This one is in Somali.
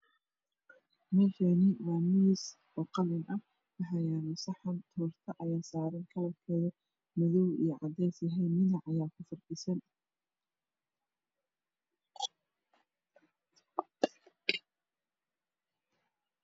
Meshani wa miis qalin ah waxayalo saxan toorto aya saran kalarked madow io cades yahay ninac aya kufirdhisan